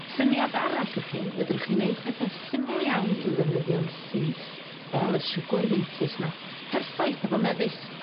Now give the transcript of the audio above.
Syniad arall i chi fedrwch chi neud pethe syml iawn i'w ddefnyddio'n syth fel y siwgr mintys 'ma perffaith efo mefus.